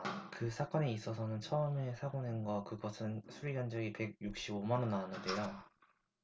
그 사건에 있어서는 처음에 사고 낸 거 그것은 수리 견적이 백 육십 오 만 원 나왔는데요